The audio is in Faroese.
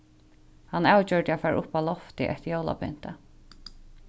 hann avgjørdi at fara upp á loftið eftir jólapynti